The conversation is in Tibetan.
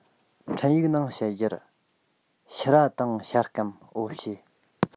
འཕྲིན ཡིག ནང བཤད རྒྱུར ཕྱུར ར དང ཤ སྐམ འོ ཕྱེ